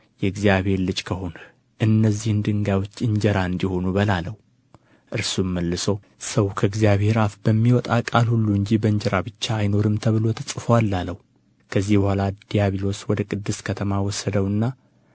የእግዚአብሔር ልጅ ከሆንህ እነዚህ ድንጋዮች እንጀራ እንዲሆኑ በል አለው እርሱም መልሶ ሰው ከእግዚአብሔር አፍ በሚወጣ ቃል ሁሉ እንጂ በእንጀራ ብቻ አይኖርም ተብሎ ተጽፎአል አለው ከዚህ በኋላ ዲያቢሎስ ወደ ቅድስት ከተማ ወሰደውና